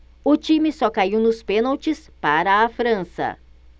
o time só caiu nos pênaltis para a frança